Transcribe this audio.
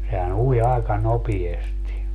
sehän ui aika nopeasti